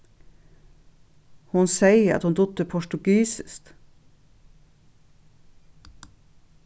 hon segði at hon dugdi portugisiskt